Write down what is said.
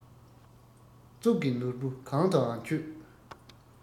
གཙུག གི ནོར བུ གང དུའང མཆོད